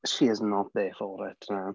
She is not there for it, na.